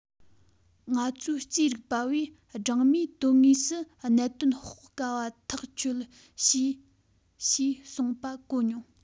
ང ཚོས རྩིས རིག པ བས སྦྲང མས དོན དངོས སུ གནད དོན དཔོག དཀའ བ ཐག ཆོད བྱས ཞེས གསུངས པ གོ མྱོང